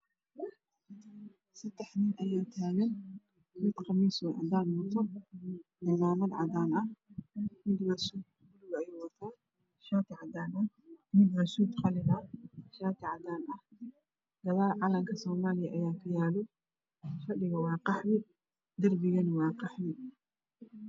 Sadax nin aya tagan mid qabis cadan wata iyo cimamad cadan ah midna sud bulug ayu wata shati cadana mida sud qalina shati cadana gadal calanka somaliya aya kayalo fadhiga waa qaxwi darbiga waa qaxwi